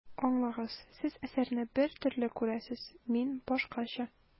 Аңлагыз, Сез әсәрне бер төрле күрәсез, мин башкача.